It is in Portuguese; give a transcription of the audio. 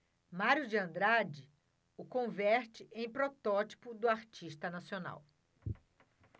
mário de andrade o converte em protótipo do artista nacional